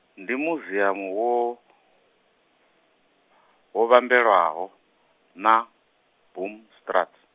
ndi muziamu wo, wo vhambelaho, na Boomstraat.